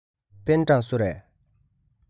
པེན ཀྲང སུ རེད